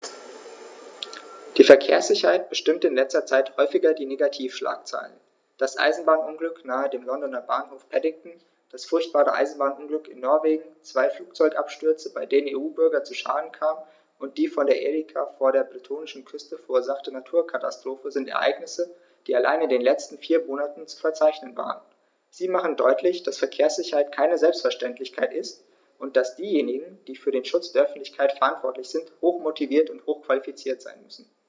Die Verkehrssicherheit bestimmte in letzter Zeit häufig die Negativschlagzeilen: Das Eisenbahnunglück nahe dem Londoner Bahnhof Paddington, das furchtbare Eisenbahnunglück in Norwegen, zwei Flugzeugabstürze, bei denen EU-Bürger zu Schaden kamen, und die von der Erika vor der bretonischen Küste verursachte Naturkatastrophe sind Ereignisse, die allein in den letzten vier Monaten zu verzeichnen waren. Sie machen deutlich, dass Verkehrssicherheit keine Selbstverständlichkeit ist und dass diejenigen, die für den Schutz der Öffentlichkeit verantwortlich sind, hochmotiviert und hochqualifiziert sein müssen.